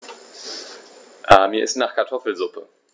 Mir ist nach Kartoffelsuppe.